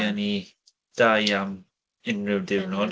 Gen i dau am unrhyw diwrnod.